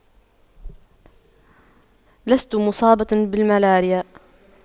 لست مصابة بالملاريا